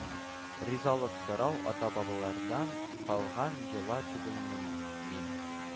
Ризалык сорау ата-бабалардан калган йола түгелмени, мин